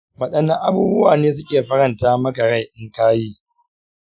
waɗanne abubuwa ne suke faranta maka rai in ka yi?